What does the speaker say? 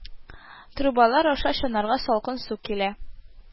Трубалар аша чаннарга салкын су килә